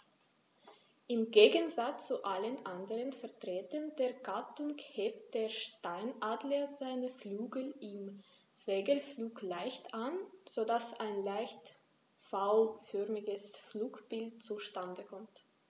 Im Gegensatz zu allen anderen Vertretern der Gattung hebt der Steinadler seine Flügel im Segelflug leicht an, so dass ein leicht V-förmiges Flugbild zustande kommt.